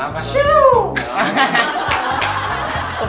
thằng phát